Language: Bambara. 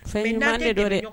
Setan ne don dɛ